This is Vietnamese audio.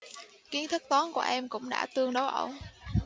kiến thức toán của em cũng đã tương đối ổn